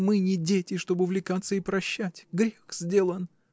— Мы не дети, чтоб увлекаться и прощать. Грех сделан.